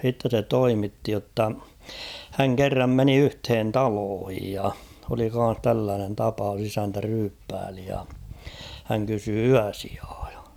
sitten se toimitti jotta hän kerran meni yhteen taloon ja oli kanssa tällainen tapaus isäntä ryyppäili ja hän kysyi yösijaa ja